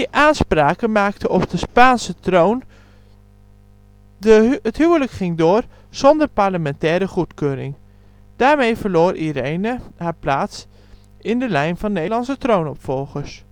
aanspraken maakte op de Spaanse troon. Het huwelijk ging door, zonder parlementaire goedkeuring; daarmee verloor Irene haar plaats in de lijn van Nederlandse troonopvolgers